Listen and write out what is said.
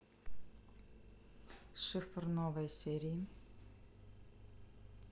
шифр новые серии